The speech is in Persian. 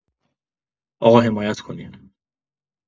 آقا حمایت کنین